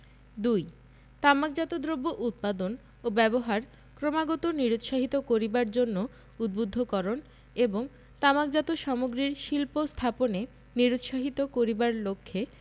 ২ তামাকজাত দ্রব্য উৎপাদন ও ব্যবহার ক্রমাগত নিরুৎসাহিত করিবার জন্য উদ্বুদ্ধকরণ এবং তামাকজাত সামগ্রীর শিল্প স্থাপনে নিরুৎসাহিত করিবার লক্ষ্যে